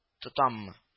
Тотаммы